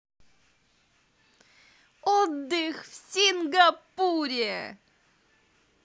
отдых в сингапуре